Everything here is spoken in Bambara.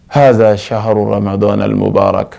Halisa si ha lamɛ dɔn nali' kan